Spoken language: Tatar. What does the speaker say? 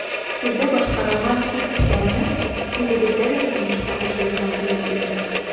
Сездә башкарылган күп эшләрне үзебездә дә тормышка ашырырга теләр идек.